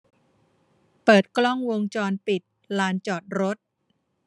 เปิดกล้องวงจรปิดลานจอดรถ